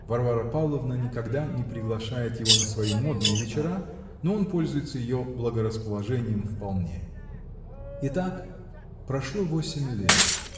Варвара Павловна никогда не приглашает его на свои модные вечера, но он пользуется ее благорасположением вполне. Итак. прошло восемь лет.